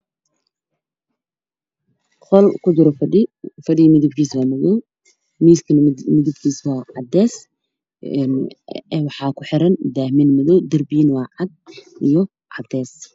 Qolkujiro fadhi fadhigamidabkiisu waamadaw